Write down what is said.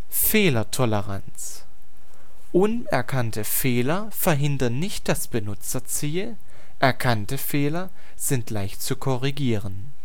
Fehlertoleranz – unerkannte Fehler verhindern nicht das Benutzerziel, erkannte Fehler sind leicht zu korrigieren